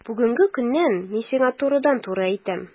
Бүгенге көннән мин сиңа турыдан-туры әйтәм: